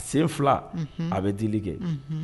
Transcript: A sen fila a bɛ di kɛ